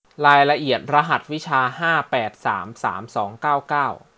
รายละเอียดรหัสวิชาห้าแปดสามสามสองเก้าเก้า